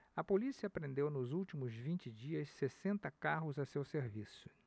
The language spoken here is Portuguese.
a polícia apreendeu nos últimos vinte dias sessenta carros a seu serviço